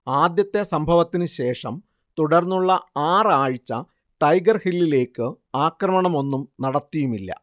ആദ്യത്തെ സംഭവത്തിനു ശേഷം തുടർന്നുള്ള ആറ് ആഴ്ച ടൈഗർ ഹില്ലിലേക്ക് ആക്രമണം ഒന്നും നടത്തിയുമില്ല